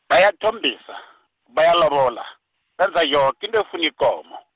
bayathombisa, bayalobola, benza yoke into efuna ikomo.